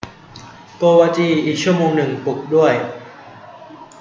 โกวาจีอีกชั่วโมงนึงปลุกด้วย